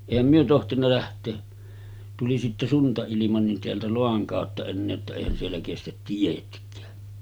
eihän me tohtinut lähteä tuli sitten suntailma niin täältä Loan kautta enää että eihän siellä kestä tietkään